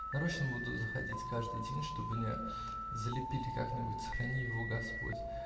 Нарочно буду заходить каждый день, чтоб не залечили как-нибудь, сохрани его господи!.